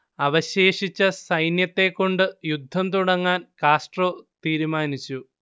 അവശേഷിച്ച സൈന്യത്തെക്കൊണ്ട് യുദ്ധം തുടങ്ങാൻ കാസ്ട്രോ തീരുമാനിച്ചു